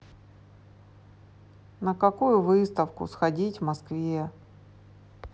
на какую выставку сходить в москве